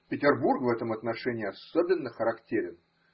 Петербург в этом отношении особенно характерен.